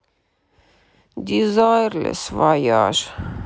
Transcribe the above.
дизайрлес вояж